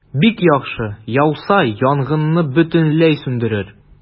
Бик яхшы, яуса, янгынны бөтенләй сүндерер.